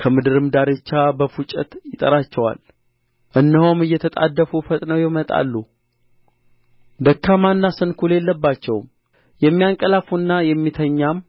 ከምድርም ዳርቻ በፉጨት ይጠራቸዋል እነሆም እየተጣደፉ ፈጥነው ይመጣሉ ደካማና ስንኵል የለባቸውም የሚያንቀላፋና የሚተኛም